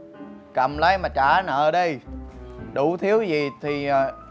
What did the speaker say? cầm lấy mà trả nợ đi đủ thiếu gì thì ờ